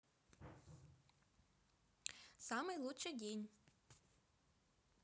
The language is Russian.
самый лучший день